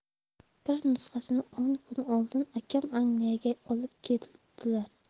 bir nusxasini o'n kun oldin akam angliyaga olib ketdilar